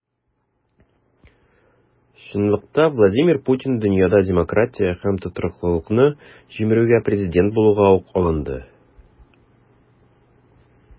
Чынлыкта Владимир Путин дөньяда демократия һәм тотрыклылыкны җимерүгә президент булуга ук алынды.